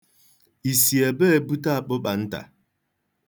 I si ebee bute àkpụkpàntà?